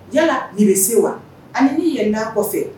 Yala nin bɛ se wa ? Hali n'i y'ɛlɛn na a kɔfɛ.